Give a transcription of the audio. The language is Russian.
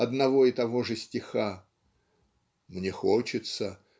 одного и того же стиха ("мне хочется